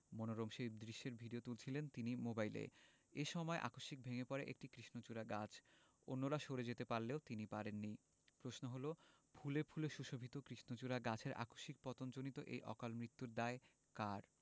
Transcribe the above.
মনোরম সেই দৃশ্যের ভিডিও তুলছিলেন তিনি মোবাইলে এ সময় আকস্মিক ভেঙ্গে পড়ে একটি কৃষ্ণচূড়া গাছ অন্যরা সরে যেতে পারলেও তিনি পারেননি প্রশ্ন হলো ফুলে ফুলে সুশোভিত কৃষ্ণচূড়া গাছের আকস্মিক পতনজনিত এই অকালমৃত্যুর দায় কার